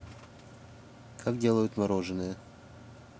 как делают мороженое